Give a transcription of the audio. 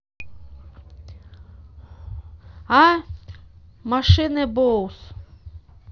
a machine boys